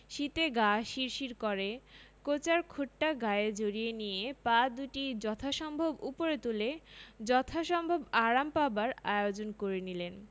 শীতে গা শিরশির করে কোঁচার খুঁটটা গায়ে জড়িয়ে নিয়ে পা দুটি যথাসম্ভব উপরে তুলে যথাসম্ভব আরাম পাবার আয়োজন করে নিলেন